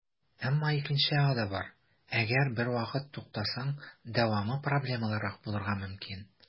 Әмма икенче ягы да бар - әгәр бервакыт туктасаң, дәвамы проблемалырак булырга мөмкин.